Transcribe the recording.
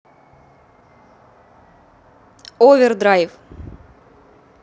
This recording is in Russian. over drive